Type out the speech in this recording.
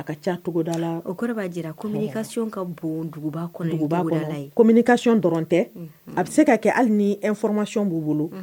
A ka ca la togoda la, o kɔrɔ b'a jira communication ka bon duguba kɔnɔ, communication dɔrɔn tɛ, un, a bɛ se ka kɛ hali ni information b'u bolo